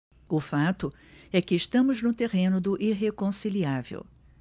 o fato é que estamos no terreno do irreconciliável